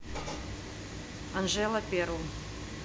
анжела перл